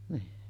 niin